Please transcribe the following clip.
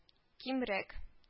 Кимрәк